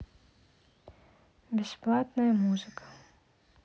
бесплатная музыка